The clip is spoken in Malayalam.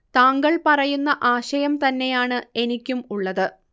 താങ്കൾ പറയുന്ന ആശയം തന്നെയാണ് എനിക്കും ഉള്ളത്